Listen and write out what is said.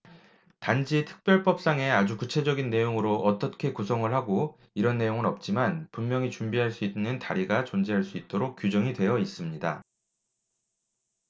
단지 특별법상에 아주 구체적인 내용으로 어떻게 구성을 하고 이런 내용은 없지만 분명히 준비할 수 있는 다리가 존재할 수 있도록 규정이 되어 있습니다